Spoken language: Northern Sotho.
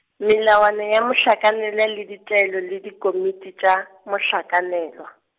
melawana ya mohlakanelwa le ditaelo le dikomiti tša, mohlakanelwa.